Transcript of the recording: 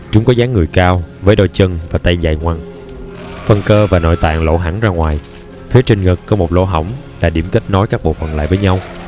chúng có dáng người cao với đôi chân và tay dài ngoằng phần cơ và nội tạng lộ hẳn ra ngoài phía trên ngực có một lỗ hổng là điểm kết nối các bộ phận lại với nhau